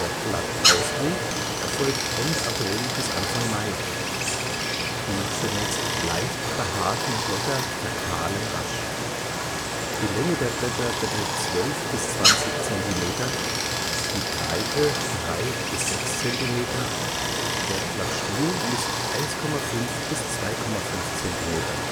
Blattaustrieb erfolgt Ende April bis Anfang Mai. Die zunächst leicht behaarten Blätter verkahlen rasch. Die Länge der Blätter beträgt 12 bis 20 Zentimeter, die Breite drei bis sechs Zentimeter, der Blattstiel misst 1,5 bis 2,5 Zentimeter